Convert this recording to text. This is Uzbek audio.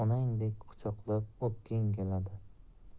onangdek quchoqlab o'pging keladi